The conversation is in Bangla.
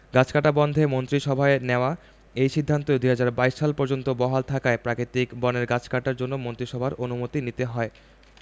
গাছ কাটা বন্ধে মন্ত্রিসভায় নেয়া এই সিদ্ধান্ত ২০২২ সাল পর্যন্ত বহাল থাকায় প্রাকৃতিক বনের গাছ কাটার জন্য মন্ত্রিসভার অনুমতি নিতে হয়